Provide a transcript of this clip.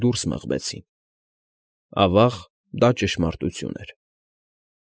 Դուրս մղվեցին։ Ավա՜ղ, դա ճշմարտություն էր։